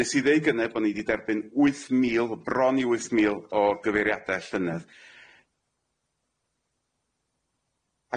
'Nes i ddeud gynne bo ni 'di derbyn wyth mil bron i wyth mil o gyfeiriade llynedd.